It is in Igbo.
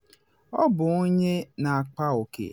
Ọ bụ onye na akpa oke.